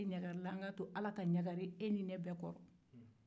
an k'a to ala ka ɲagali e ni ne bɛɛ kɔrɔ